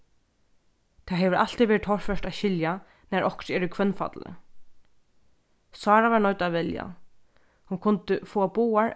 tað hevur altíð verið torført at skilja nær okkurt er í hvønnfalli sára var noydd at velja hon kundi fáa báðar